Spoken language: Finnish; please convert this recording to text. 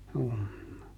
juu